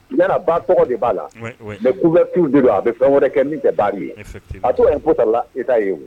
N ba tɔgɔ de b'a la mɛ ku'u de don a bɛ fɛn wɛrɛ kɛ min tɛ baarari ye a' fota la i'a ye